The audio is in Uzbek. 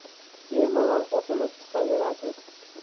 bemalol osilib chiqaverasiz